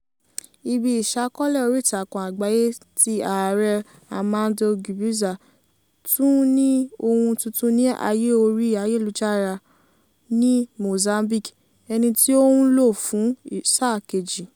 Ibi ìṣàkọọ́lẹ̀ oríìtakùn àgbáyé ti Ààrẹ Armando Guebuza tún ni ohun tuntun ní ayé orí ayélujára ní Mozambique, ẹni tí ó ń lọ fún sáà kejì.